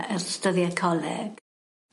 ...ers dyddie coleg.